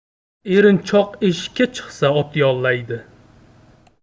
erinchoq eshikka chiqsa ot yollaydi